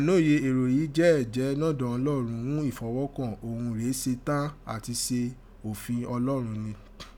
Àìnóye èrò yii jẹ́ ẹ̀jẹ́ nọ̀dọ̀ Olọrọn ghún ifọwọ́kọ́̀n òghun rèé setán àti se ofin Ọlọrọn rin.